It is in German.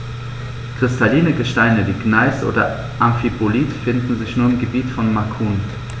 Kristalline Gesteine wie Gneis oder Amphibolit finden sich nur im Gebiet von Macun.